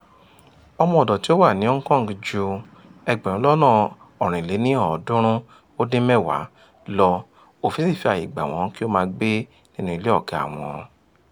Ọmọ-ọ̀dọ̀ tí ó wà ní Hong Kong ju 370,000 lọ, òfin ṣì fi àyè gbà wọ́n kí ó máa gbé nínú ilé ọ̀gáa wọn.